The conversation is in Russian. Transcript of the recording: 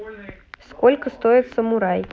сколько стоит самурай